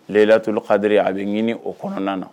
Leyilatoul kadr a bɛ ɲini o kɔnɔna na.